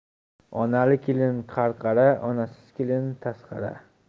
onali kelin qarqara onasiz kelin tasqara